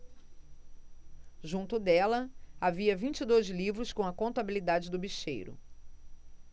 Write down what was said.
junto dela havia vinte e dois livros com a contabilidade do bicheiro